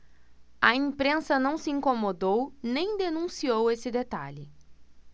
a imprensa não se incomodou nem denunciou esse detalhe